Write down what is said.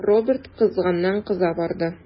Роберт кызганнан-кыза барды.